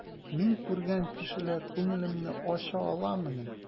Мин күргән кешеләр күңелемне ача аламыни?